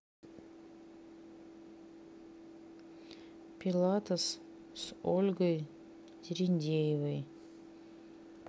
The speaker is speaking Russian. пилатес с ольгой дерендеевой